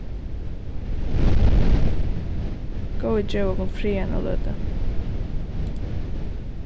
góði gev okum frið eina løtu